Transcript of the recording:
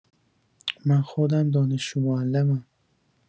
من خودم دانشجو معلمم